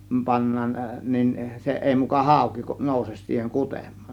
pannaan niin se ei muka hauki nouse siihen kutemaan